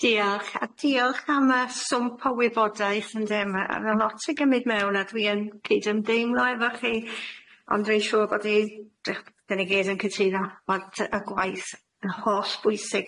Diolch a- diolch am yy swmp o wybodaeth ynde ma' a- ma' lot yn cymyd mewn a dwi yn cyd-ymdeimlo efo chi ond dwi'n siŵr bod i dych- gen i gyd yn cytuno bod y y gwaith yn hollbwysig.